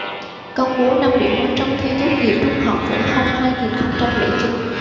công bố năm điểm mới trong thi tốt nghiệp trung học phổ thông hai nghìn không trăm lẻ chín